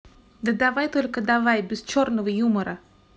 да давай только давай без черного юмора